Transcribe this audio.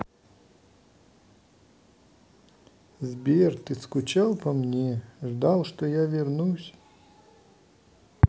сбер ты скучал по мне ждал что я вернусь